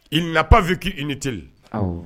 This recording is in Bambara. Il n'a pas vécu inutile , unhun